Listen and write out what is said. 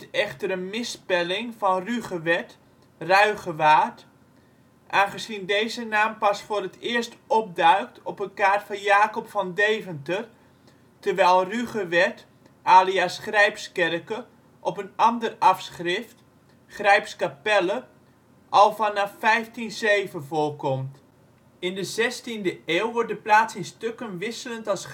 echter een misspelling van Rugewerd (Ruigewaard) aangezien deze naam pas voor het eerst opduikt op een kaart van Jacob van Deventer, terwijl ' Ruegewerdt alias Grijpskercke ' (op een ander afschrift ' Grijpscapelle ') al vanaf 1507 voorkomt. Grijpskerk werd In de 16e eeuw wordt de plaats in stukken wisselend als